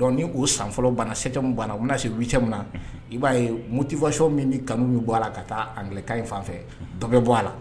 dɔn ni o san fɔlɔ banna camanmu banna u bɛna se cɛ min na i b'a ye motifasi min bɛ kanu bɔ a la ka taa anka in fan dɔ bɛ bɔ a la